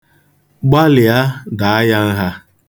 Gbalịa, daa ya nha.